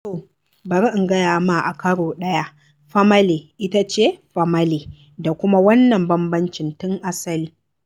To, bari in gaya ma a karo ɗaya, "famalay" ita ce "famalay" da kuma wannan bambancin tun asali